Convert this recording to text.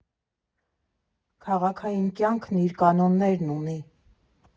Քաղաքային կյանքն իր կանոններն ունի։